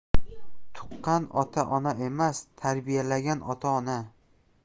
tuqqan ota ona emas tarbiyalagan ota ona